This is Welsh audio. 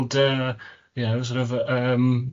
ond yy, ie, y sor' of, yy yym